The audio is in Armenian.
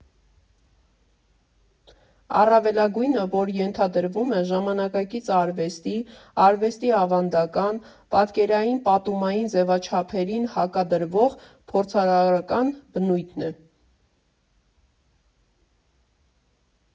Առավելագույնը, որ ենթադրվում է, ժամանակակից արվեստի՝ արվեստի ավանդական, պատկերային֊պատումային ձևաչափերին հակադրվող «փորձարարական» բնույթն է։